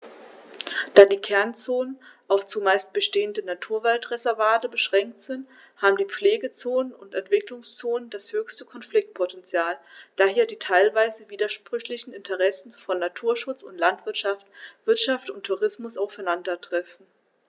Da die Kernzonen auf – zumeist bestehende – Naturwaldreservate beschränkt sind, haben die Pflegezonen und Entwicklungszonen das höchste Konfliktpotential, da hier die teilweise widersprüchlichen Interessen von Naturschutz und Landwirtschaft, Wirtschaft und Tourismus aufeinandertreffen.